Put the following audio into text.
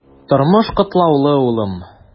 Тормыш катлаулы, улым.